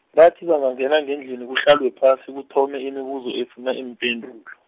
bathi bangangena ngendlini kuhlalwe phasi kuthome imibuzo efuna iimpendulo.